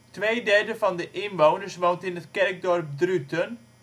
Twee derde van de inwoners woont in het kerkdorp Druten